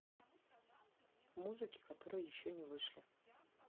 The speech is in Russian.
музыки которые еще не вышли